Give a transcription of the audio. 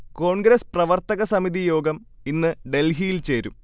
കോൺഗ്രസ് പ്രവർത്തക സമിതി യോഗം ഇന്ന് ഡൽഹിയിൽ ചേരും